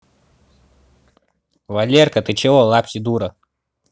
валерка ты чего лапси дура